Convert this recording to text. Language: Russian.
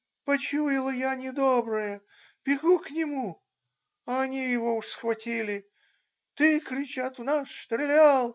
почуяла я недоброе, бегу к нему, а они его уж схватили, ты, кричат, в нас стрелял!.